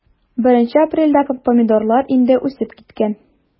1 апрельдә помидорлар инде үсеп киткән.